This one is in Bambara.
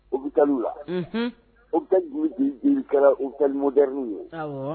U bɛ taa u la o bɛ jiri kɛra u talimodarw ye